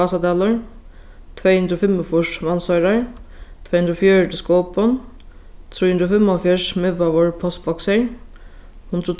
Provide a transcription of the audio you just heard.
gásadalur tvey hundrað og fimmogfýrs vatnsoyrar tvey hundrað og fjøruti skopun trý hundrað og fimmoghálvfjerðs miðvágur postboksir hundrað og